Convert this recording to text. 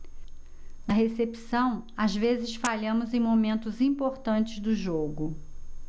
na recepção às vezes falhamos em momentos importantes do jogo